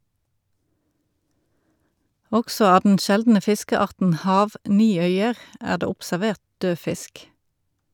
Også av den sjeldne fiskearten "hav-niøyer" er det observert død fisk.